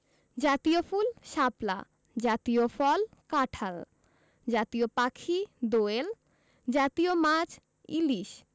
জাতীয় ফুলঃ শাপলা জাতীয় ফলঃ কাঁঠাল জাতীয় পাখিঃ দোয়েল জাতীয় মাছঃ ইলিশ